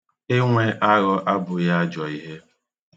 Inwe aghọ abụghị ajọ ihe.